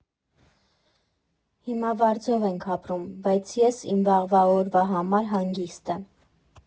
Հիմա վարձով ենք ապրում, բայց ես իմ վաղվա օրվա համար հանգիստ եմ։